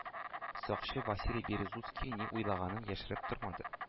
Сакчы василий березуцкий ни уйлаганын яшереп тормады.